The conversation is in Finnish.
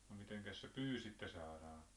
no mitenkäs se pyy sitten saadaan